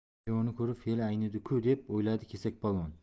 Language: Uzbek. kuyovini ko'rib fe'li aynidi ku deb o'yladi kesakpolvon